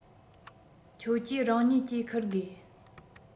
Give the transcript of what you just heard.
ཁྱོད ཀྱིས རང ཉིད ཀྱིས འཁུར དགོས